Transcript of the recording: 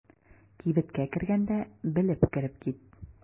Кибеткә кергәндә белеп кереп кит.